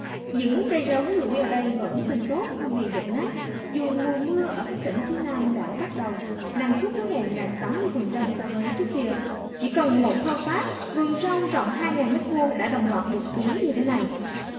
những cây rau húng lủi ở đây vẫn xanh tốt không bị dập nát dù mùa mưa ở các tỉnh phía nam đã bắt đầu năng suất hứa hẹn đạt tám mươi phần trăm so với trước kia chỉ cần một thao tác vườn rau rộng hai ngàn mét vuông đã đồng loạt được tưới như thế này